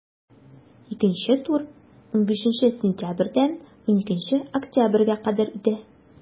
Икенче тур 15 сентябрьдән 12 октябрьгә кадәр үтә.